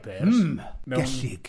Mm, mewn, gellig.